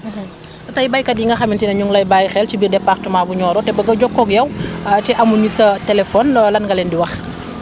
tey béykat yi nga xamante ne ñu ngi lay bàyyi xel ci biir département bu Nioro te bëgg a jokkoog yow ah te amuñu sa téléphone lan nga leen di wax